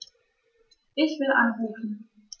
Ich will anrufen.